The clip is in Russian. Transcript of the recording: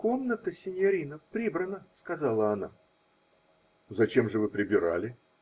-- Комната, синьорино, прибрана, -- сказала она. -- Зачем же вы прибирали?